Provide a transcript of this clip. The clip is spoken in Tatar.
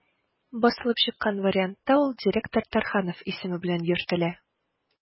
Басылып чыккан вариантта ул «директор Тарханов» исеме белән йөртелә.